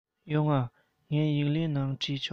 ཡོང ང ངས ཡིག ལན ནང བྲིས ཆོག